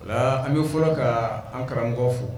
La an bɛ fɔlɔ ka an karamɔgɔkɔ fo